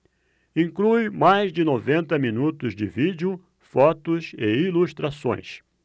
inclui mais de noventa minutos de vídeo fotos e ilustrações